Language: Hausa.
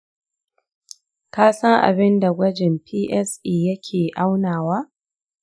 ka san abin da gwajin psa yake aunawa?